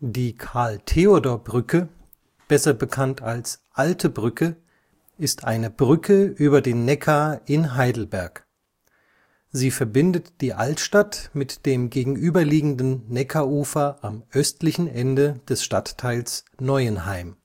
Die Karl-Theodor-Brücke, besser bekannt als Alte Brücke, ist eine Brücke über den Neckar in Heidelberg. Sie verbindet die Altstadt mit dem gegenüberliegenden Neckarufer am östlichen Ende des Stadtteils Neuenheim